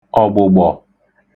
ọ̀gbụ̀gbọ̀